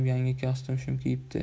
yangi kostum shim kiyibdi